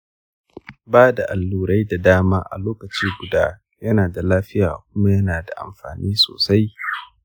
ba da allurai da dama a lokaci guda yana da lafiya kuma yana da amfani sosai.